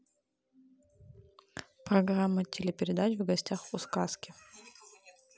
программа телепередач в гостях у сказки